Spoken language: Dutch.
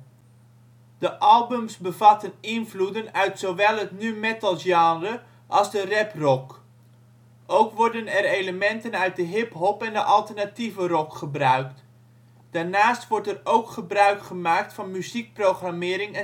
albums bevatten invloeden uit zowel de nu-metalgenre als de raprock. Ook worden er elementen uit de hiphop en de alternatieve rock gebruikt. Daarnaast wordt er ook gebruik gemaakt van muziekprogrammering